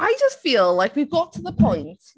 I just feel like we've got to the point.